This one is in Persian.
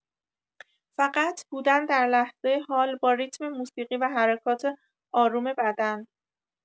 فقط بودن در لحظه حال، با ریتم موسیقی و حرکات آروم بدن.